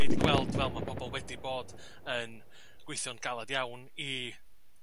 ni 'di gweld fel mae pobol wedi bod yn gweithio'n galed iawn i